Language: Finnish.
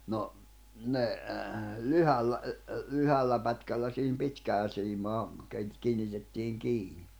no ne lyhyellä lyhyellä pätkällä siihen pitkäänsiimaan - kiinnitettiin kiinni